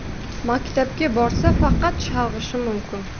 maktabga borsa faqat chalg'ishi mumkin